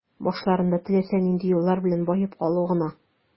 Башларында теләсә нинди юллар белән баеп калу гына.